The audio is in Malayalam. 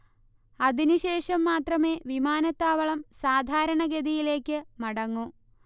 അതിന് ശേഷം മാത്രമേ വിമാനത്താവളം സാധാരണഗതിയിലേക്ക് മടങ്ങൂ